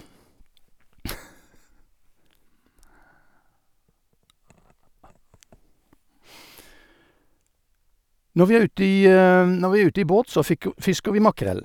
når vi er ute i Når vi er ute i båt, så fikke fisker vi makrell.